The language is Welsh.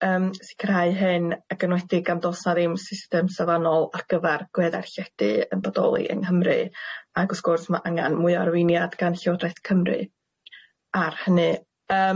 yym sicirhau hyn yn enwedig am do's 'na ddim system safonol ar gyfar gweddarlledu yn bodoli yng Nghymru ag wrth gwrs ma' angan mwy o arweiniad gan Llywodraeth Cymru ar hynny.